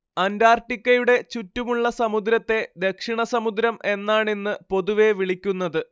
അന്റാർട്ടിക്കയുടെ ചുറ്റുമുള്ള സമുദ്രത്തെ ദക്ഷിണസമുദ്രം എന്നാണിന്ന് പൊതുവേ വിളിക്കുന്നത്